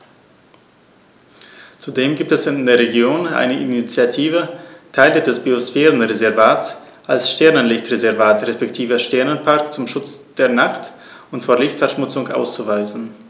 Zudem gibt es in der Region eine Initiative, Teile des Biosphärenreservats als Sternenlicht-Reservat respektive Sternenpark zum Schutz der Nacht und vor Lichtverschmutzung auszuweisen.